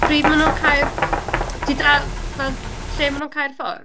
Pryd maen nhw'n cau'r... Ti'n dal, fel.... Lle maen nhw'n cau'r ffordd?